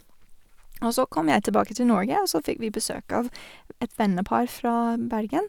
Og så kom jeg tilbake til Norge, og så fikk vi besøk av et vennepar fra Bergen.